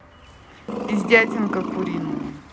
пиздятинка куриные